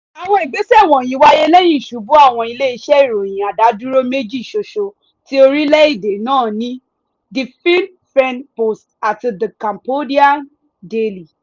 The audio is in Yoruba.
Àwọn ìgbésẹ̀ wọ̀nyìí wáyé lẹ́yìn ìṣubú àwọn ilé-iṣẹ́ ìròyìn adádúró méjì ṣoṣo tí orílẹ̀-èdè náà ní — The Phnom Pehn Post àti The Cambodia Daily.